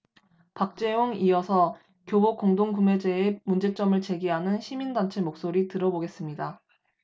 박재홍 이어서 교복공동구매제의 문제점을 제기하는 시민단체 목소리 들어보겠습니다